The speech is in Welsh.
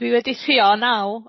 Dwi wedi trio naw-